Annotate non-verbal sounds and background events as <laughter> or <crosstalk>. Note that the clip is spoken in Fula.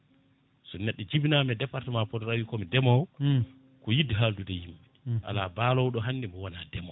so neɗɗo jibinama e département a wi komi ndemowo <smacks lips> ko yidde haaldude e yimɓe ala balowoɗo hande mo wona ndemowo